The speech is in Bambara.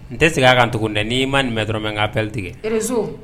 N tɛ segin a kan tukuni dɛ. Ni ma nin mɛ dɔrɔn n bɛ n ka appel tigɛ. réseau